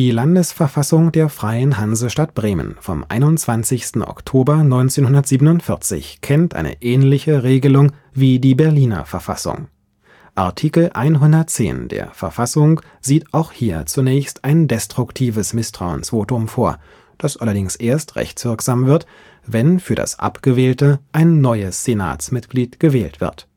Landesverfassung der Freien Hansestadt Bremen vom 21. Oktober 1947 kennt eine ähnliche Regelung wie die Berliner Verfassung: Artikel 110 der Verfassung sieht auch hier zunächst ein destruktives Misstrauensvotum vor, das allerdings erst rechtswirksam wird, wenn für das abgewählte ein neues Senatsmitglied gewählt wird